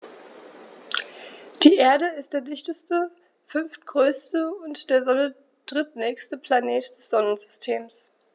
Die Erde ist der dichteste, fünftgrößte und der Sonne drittnächste Planet des Sonnensystems.